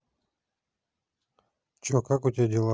че как у тебя дела